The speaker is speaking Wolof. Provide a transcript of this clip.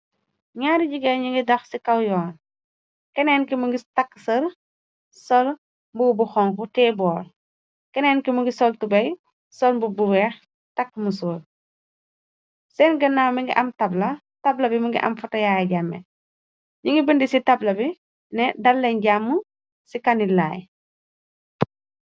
Naari jigeen ñugi dox ci kaw yoon keneen ki mogi takka sër sol mbubu xonku tee bowl keneen ki mu ngi sol tubey sol mbubu bu weex taka musoo seen gannaw mogi am tabla tabla bi mogi am photo Yaya Jàmme nigi bënda ci tabla bi ne dallañ jàmm ci kanilai.